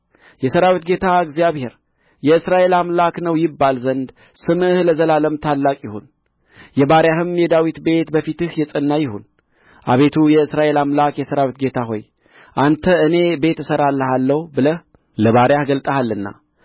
የሠራዊት ጌታ እግዚአብሔር የእስራኤል አምላክ ነው ይባል ዘንድ ስምህ ለዘላለም ታላቅ ይሁን የባሪያህም የዳዊት ቤት በፊትህ የጸና ይሁን አቤቱ የእስራኤል አምላክ የሠራዊት ጌታ ሆይ አንተ እኔ ቤት እሠራልሃለሁ ብለህ ለባሪያህ ገልጠሃልና